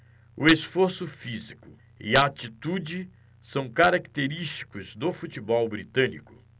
o esforço físico e a atitude são característicos do futebol britânico